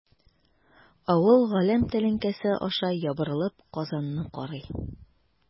Авыл галәм тәлинкәсе аша ябырылып Казанны карый.